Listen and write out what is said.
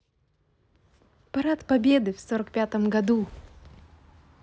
парад победы в сорок пятом году